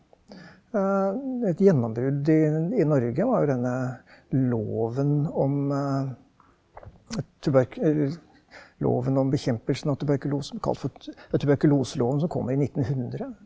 et gjennombrudd i i Norge var jo denne loven om eller loven om bekjempelsen av tuberkulose ble kalt for tuberkuloseloven som kommer i nittenhundre.